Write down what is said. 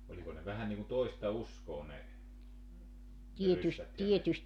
oliko ne vähän niin kuin toista uskoa ne ne ryssät ja ne